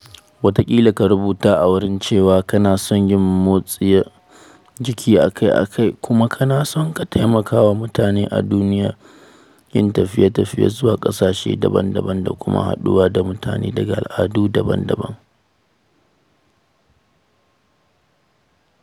Wataƙila ka rubuta a wurin cewa kana son yin motsa jiki akai-akai, kuma kana so ka taimakawa mutane a duniya, yin tafiye-tafiye zuwa ƙasashe daban-daban, da kuma haɗuwa da mutane daga al’adu daban-daban.